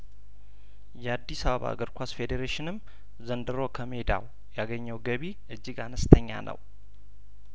የአዲስአባ እግር ኳስ ፌዴሬሽንም ዘንድሮ ከሜዳ ያገኘው ገቢ እጅግ አነስተኛ ነው